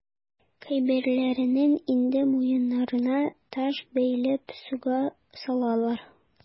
Кайберләренең инде муеннарына таш бәйләп суга салалар.